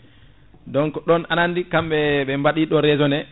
donc ɗon aɗa andi kamɓe ɓe baɗi ɗo raisonné